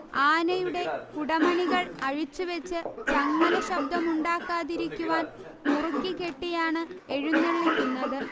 ആനയുടെ കുടമണികൾ അഴിച്ചുവെച്ച് ചങ്ങല ശബ്ദമുണ്ടാക്കാതിരിക്കുവാൻ മുറുക്കി കെട്ടിയാണ് എഴുന്നള്ളിക്കുന്നത്